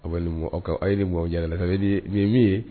Bɔ yalala ye min ye